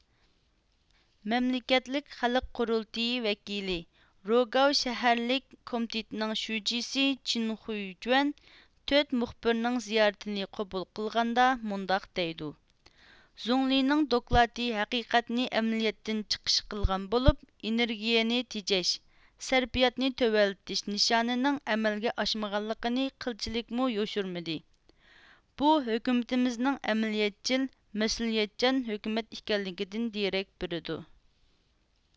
مەملىكەتلىك خەلق قۇرۇلتىيى ۋەكىلى رۇگاۋ شەھەرلىك كومىتېتنىڭ شۇجىسى چېنخۈيجۆەن تۆت مۇخبىرنىڭ زىيارىتىنى قوبۇل قىلغاندا مۇنداق دەيدۇ زۇڭلىنىڭ دوكلاتى ھەقىقەتنى ئەمەلىيەتتىن چىقىش قىلغان بولۇپ ئېنېرگىيىنى تېجەش سەرپىياتنى تۆۋەنلىتىش نىشانىنىڭ ئەمەلگە ئاشمىغانلىقىنى قىلچىلىكمۇ يوشۇرمىدى بۇ ھۆكۈمىتىمىزنىڭ ئەمەلىيەتچىل مەسئۇلىيەتچان ھۆكۈمەت ئىكەنلىكىدىن دېرەك بېرىدۇ